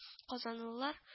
Казанлылар